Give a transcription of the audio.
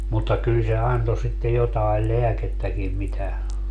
mutta kyllä se antoi sitten jotakin lääkettäkin mitä